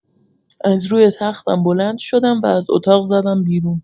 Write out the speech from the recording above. از روی تختم بلند شدم و از اتاق زدم بیرون.